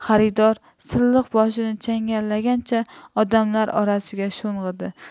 xaridor silliq boshini changallagancha odamlar orasiga sho'ng'idi